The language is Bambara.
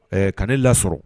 Ɛɛ ka ne lasɔrɔ